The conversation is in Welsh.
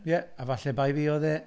Ie, a falle bai fi oedd e.